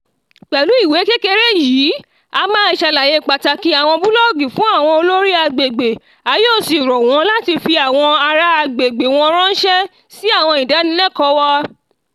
Pẹ̀lú ìwé kékeré yìí, a máa ṣàlàyé pàtàkì àwọn búlọ́ọ́gì fún àwọn olórí agbègbè a yóò sì rọ̀ wọ́n láti fi àwọn ará agbègbè wọn ráńṣẹ́ sí àwọn ìdánilẹ́kọ̀ọ́ wa.